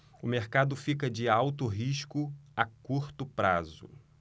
o mercado fica de alto risco a curto prazo